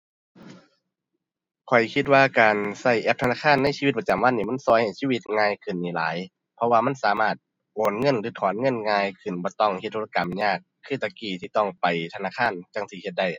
ข้อยคิดว่าการใช้แอปธนาคารในชีวิตประจำวันนี้มันใช้ให้ชีวิตง่ายขึ้นนี่หลาย เพราะว่ามันสามารถโอนเงินหรือถอนเงินง่ายขึ้น บ่ต้องเฮ็ดธุรกรรมยาก คือแต่กี้ที่ต้องไปธนาคารจั่งสิเฮ็ดได้